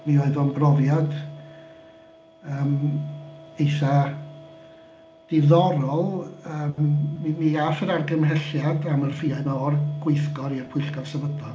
Mi oedd o'n brofiad yym eitha diddorol yym, mi mi aeth yr argymhelliad am yr ffïoedd 'ma o'r gweithgor i'r pwyllgor sefydlog.